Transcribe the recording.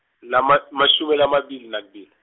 lama, mashumi lamabili nakubili.